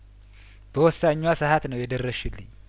በወሳኟ ሰሀት ነው የደረሽልኝ